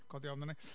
Codi ofn arna i.